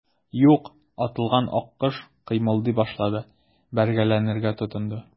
Юк, атылган аккош кыймылдый башлады, бәргәләнергә тотынды.